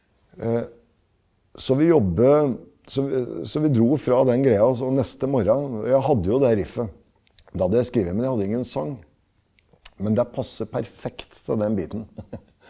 så vi jobber så vi så vi dro fra den greia også neste morgen jeg hadde jo det riffet, det hadde jeg skrevet, men jeg hadde ingen sang, men det her passer perfekt til den beaten .